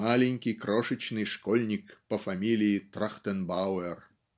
"маленький крошечный школьник по фамилии Трахтенбауэр".